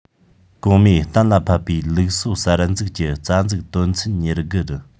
གོང མས གཏན ལ ཕབ པའི ལུགས སྲོལ གསར འཛུགས ཀྱི རྩ འཛིན དོན ཚན ཉེར དགུ རུ